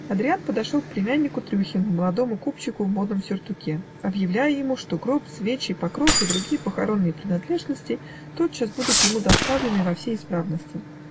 Адриян подошел к племяннику Трюхиной, молодому купчику в модном сертуке, объявляя ему, что гроб, свечи, покров и другие похоронные принадлежности тотчас будут ему доставлены во всей исправности.